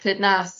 pryd nath